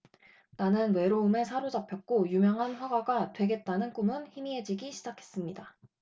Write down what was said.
나는 외로움에 사로잡혔고 유명한 화가가 되겠다는 꿈은 희미해지기 시작했습니다